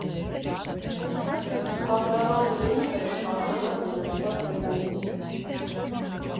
Փախլավան նույնպես հաղթանակ ունեցավ թիկունքում։